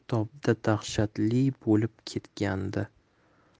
topda dahshatli bo'iib ketgandi